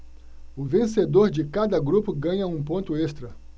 o vencedor de cada grupo ganha um ponto extra